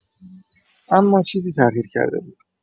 اما چیزی تغییر کرده بود.